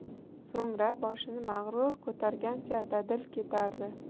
so'ngra boshini mag'rur ko'targancha dadil ketardi